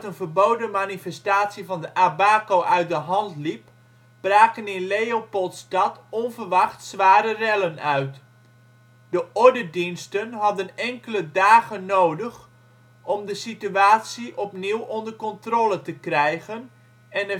verboden manifestatie van de ABAKO uit de hand liep, braken in Leopoldstad onverwacht zware rellen uit. De ordediensten hadden enkele dagen nodige om de situatie opnieuw onder controle te krijgen en